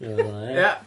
Fel yna ia? Ia.